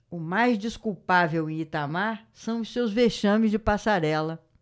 o mais desculpável em itamar são os seus vexames de passarela